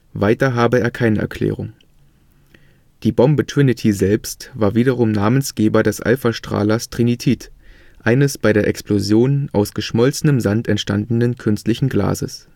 Weiter habe er keine Erklärung. Die Bombe „ Trinity “selbst war wiederum Namensgeber des Alphastrahlers Trinitit, eines bei der Explosion aus geschmolzenem Sand entstandenen künstlichen Glases